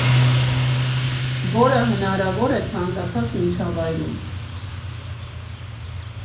Որը հնարավոր է ցանկացած միջավայրում։